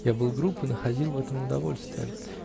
Я был груб и находил в этом удовольствие.